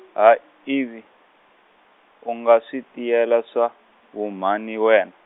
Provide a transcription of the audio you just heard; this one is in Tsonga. ha Ivy, u nga swi tiyela, swa Vhumani wena?